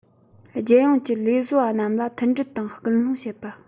རྒྱལ ཡོངས ཀྱི ལས བཟོ པ རྣམས ལ མཐུན སྒྲིལ དང སྐུལ སློང བྱེད པ